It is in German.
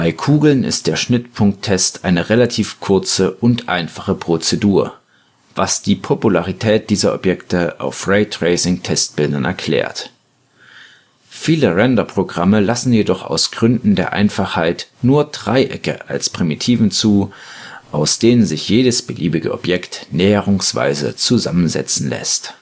Kugeln ist der Schnittpunkttest eine relativ kurze und einfache Prozedur, was die Popularität dieser Objekte auf Raytracing-Testbildern erklärt. Viele Renderprogramme lassen jedoch aus Gründen der Einfachheit nur Dreiecke als Primitiven zu, aus denen sich jedes beliebige Objekt näherungsweise zusammensetzen lässt